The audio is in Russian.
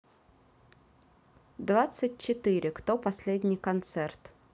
двадцать четыре кто последний концерт